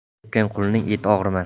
enasi tepgan qulunning eti og'rimas